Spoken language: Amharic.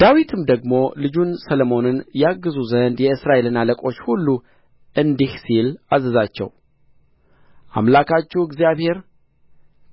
ዳዊትም ደግሞ ልጁን ሰሎሞንን ያግዙ ዘንድ የእስራኤልን አለቆች ሁሉ እንዲህ ሲል አዘዛቸው አምላካችሁ እግዚአብሔር